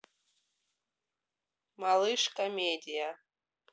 малыш комедия